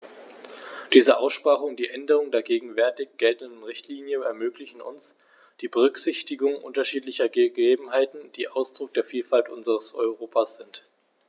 Diese Aussprache und die Änderung der gegenwärtig geltenden Richtlinie ermöglichen uns die Berücksichtigung unterschiedlicher Gegebenheiten, die Ausdruck der Vielfalt unseres Europas sind.